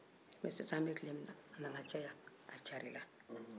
sisan an bɛ tile min na a nana caya a carinna